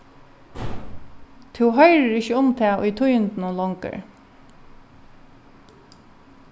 tú hoyrir ikki um tað í tíðindunum longur